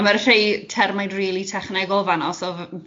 A mae 'na rhai termau'n rili technegol fan'na, so f-